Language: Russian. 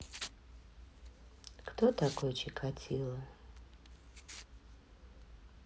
кто такой чикатило